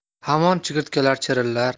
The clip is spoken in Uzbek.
hamon chigirtkalar chirillar